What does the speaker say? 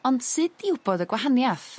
Ond sud i w'bod y gwahaniath?